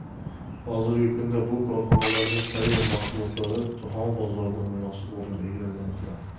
hozirgi kunda bu korxonalarning tayyor mahsulotlari jahon bozorida munosib o'rin egallamoqda